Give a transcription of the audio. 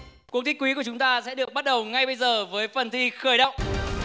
cuộc thi quý của chúng ta sẽ được bắt đầu ngay bây giờ với phần thi khởi động